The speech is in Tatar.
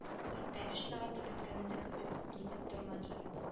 Хәтта эш сәгате беткәнне дә көтеп-нитеп тормадылар